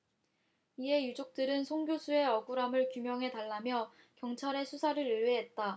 이에 유족들은 손 교수의 억울함을 규명해 달라며 경찰에 수사를 의뢰했다